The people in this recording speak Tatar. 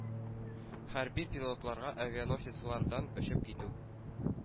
Хәрби пилотларга авианосецлардан очып китү-